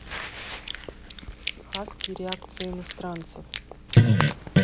хаски реакция иностранцев